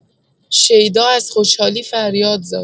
شیدا از خوشحالی فریاد زد.